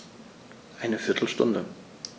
Eine viertel Stunde